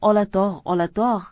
ey olatog' olatog'